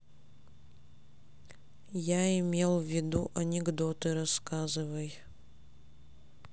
я имел ввиду анекдоты рассказывай